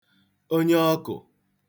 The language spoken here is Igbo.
onyeọkụ̀